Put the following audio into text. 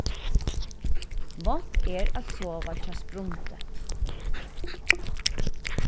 vánt er at sova hjá sprundi